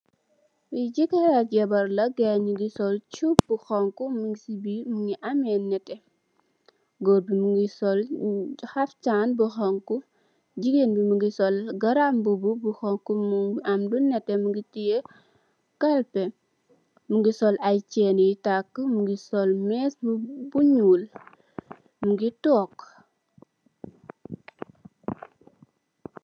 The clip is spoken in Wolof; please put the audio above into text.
Fii jekarr ak jabarr la gai njungy sol chuub bu honhu mung cii birr mungy ameh nehteh, gorre bii mungy sol lu khaftan bu honhu , gigain bii mungy sol grandmbubu bu honhu, mu am lu nehteh mungy tiyeh kalpeh, mungy sol aiiy chaine yui taaku, mungy sol meeche bu njull, mungy tok.